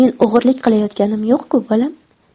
men o'g'irlik qilayotganim yo'q ku bolam